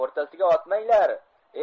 o'rtasiga otmanglar